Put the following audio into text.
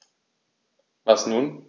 Was nun?